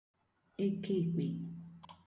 ekeèkpè